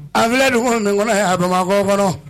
A filɛ dugu nin ŋɔnɔ yan Bamakɔ kɔnɔ